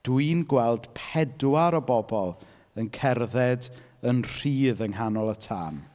Dwi'n gweld pedwar o bobl yn cerdded yn rhydd yng nghanol y tân.